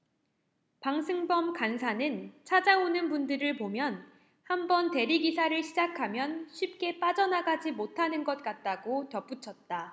방승범 간사는 찾아오는 분들을 보면 한 번 대리기사를 시작하면 쉽게 빠져나가지 못하는 것 같다고 덧붙였다